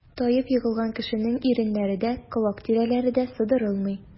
Таеп егылган кешенең иреннәре дә, колак тирәләре дә сыдырылмый.